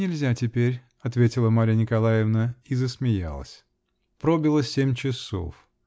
нельзя теперь, -- ответила Марья Николаевна -- и засмеялась. Пробило семь часов.